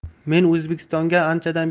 men o'zbekistonga anchadan